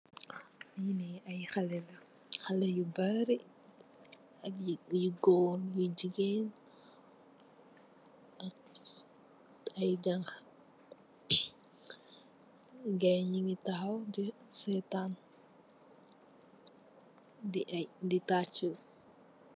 Li ni ay xaleh la xaleh yu bari yu goor yu jigeen ay janxa gaay nyu gi taxaw di setan di tachu.